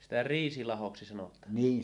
sitä riisilahoksi sanotaan